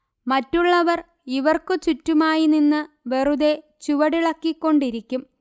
മറ്റുള്ളവർ ഇവർക്കു ചുറ്റുമായി നിന്ന് വെറുതേ ചുവടിളക്കിക്കൊണ്ടിരിക്കും